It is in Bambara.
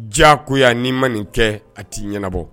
Jaa ko yan n'i ma nin kɛ a t'i ɲɛnabɔ